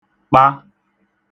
kpa